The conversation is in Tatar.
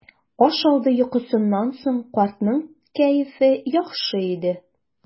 Аш алды йокысыннан соң картның кәефе яхшы иде.